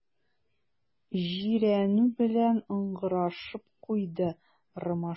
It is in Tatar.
Җирәнү белән ыңгырашып куйды Ромашов.